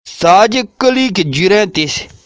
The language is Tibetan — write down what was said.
འོ མ ཡང དུས རྒྱུན དུ